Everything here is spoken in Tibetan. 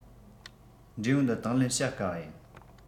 འབྲས བུ འདི དང ལེན བྱ དཀའ བ ཡིན